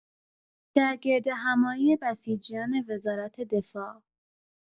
در گردهمایی بسیجیان وزارت دفاع